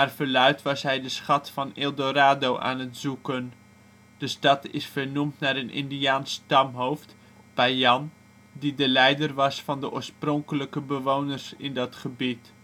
verluidt was hij de schat van El Dorado aan het zoeken. De stad is vernoemd naar een Indiaans stamhoofd, Payán, die de leider was van de oorspronkelijke bewoners in dat gebied